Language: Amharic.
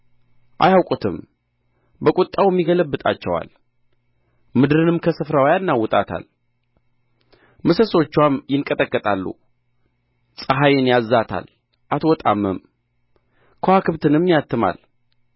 አያውቁትም በቍጣውም ይገለብጣቸዋል ምድርን ከስፍራው ያናውጣታል ምሰሶችዋም ይንቀጠቀጣሉ ፀሐይን ያዝዛታል አትወጣምም ከዋክብትንም ያትማል